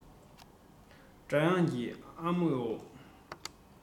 སྒྲ དབྱངས ཀྱི ལྷ མོ ཨོ